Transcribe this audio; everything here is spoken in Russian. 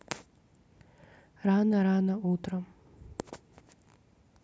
рано рано утром